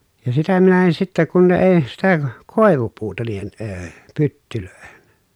ja sitä minä en sitten kun ne ei sitä koivupuuta niihin - pyttyihin